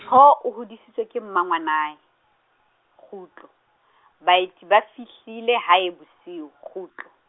Mpho o hodisitswe ke mmangwanae, kgutlo , Baeti ba fihlile hae bosiu, kgutlo.